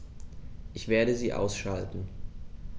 Ich werde sie ausschalten